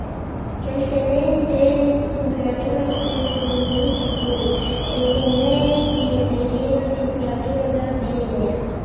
Кәлтәнең тән температурасы даими түгел, әйләнә-тирәдәге температурага бәйле.